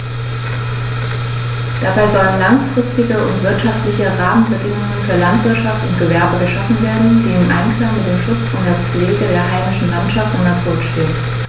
Dabei sollen langfristige und wirtschaftliche Rahmenbedingungen für Landwirtschaft und Gewerbe geschaffen werden, die im Einklang mit dem Schutz und der Pflege der heimischen Landschaft und Natur stehen.